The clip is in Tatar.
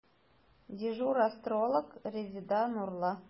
Дежур астролог – Резеда Нурлы.